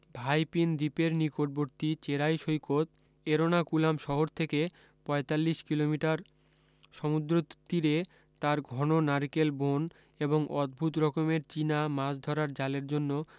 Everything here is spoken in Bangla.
ভাইপীন দ্বীপের নিকটবর্তী চেরাই সৈকত এরণাকুলাম শহর থেকে পঁয়তাল্লিশ কিলোমিটার সমুদ্রতীরে তার ঘন নারকেল বন এবং অদ্ভুত রকমের চীনা মাছ ধরার জালের জন্য